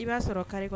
I b'a sɔrɔ carré kɔnɔ.